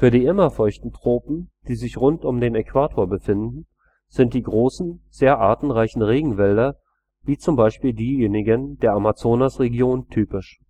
die immerfeuchten Tropen, die sich rund um den Äquator befinden, sind die großen, sehr artenreichen Regenwälder, wie zum Beispiel diejenigen der Amazonasregion, typisch